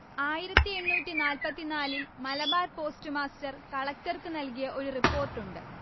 ആയിരത്തി എണ്ണൂറ്റി നാല്പത്തിനാലിൽ മലബാർ പോസ്റ്റ്മാസ്റ്റർ കളക്ടർക്കു നൽകിയ ഒരു റിപ്പോർട്ടുണ്ട്